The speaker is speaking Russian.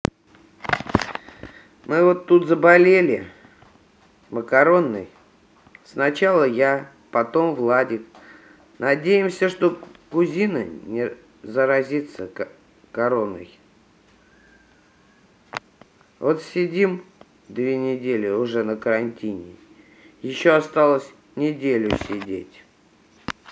мы вот тут заболели макаронной сначала я потом владик надеемся что кузина не заразиться короной вот сидим две недели уже на карантине еще осталось неделю сидеть